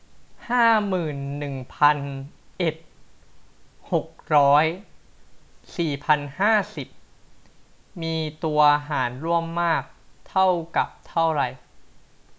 ห้าหมื่นหนึ่งพันเอ็ดหกร้อยสี่พันห้าสิบมีตัวหารร่วมมากเท่ากับเท่าไหร่